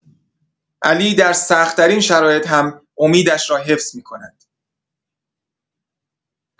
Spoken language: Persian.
علی در سخت‌ترین شرایط هم امیدش را حفظ می‌کند.